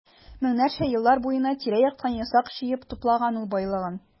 Меңнәрчә еллар буена тирә-яктан ясак җыеп туплаган ул байлыгын.